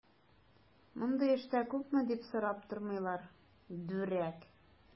Мондый эштә күпме дип сорап тормыйлар, дүрәк!